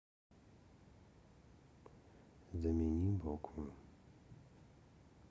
замени букву